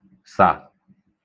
-sà